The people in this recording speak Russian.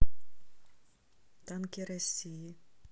танки россии